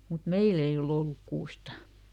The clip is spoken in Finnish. mutta meillä ei ole ollut kuusta